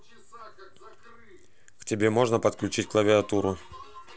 к тебе можно подключить клавиатуру